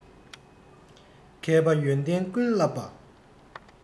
མཁས པ ཡོན ཏན ཀུན བསླབས པ